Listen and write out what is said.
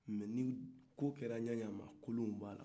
mais ni kow kera cogo o cogo kolow bala